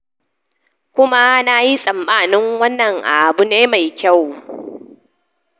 Kuma nayi tsammanin wannan abu ne mai kyau. "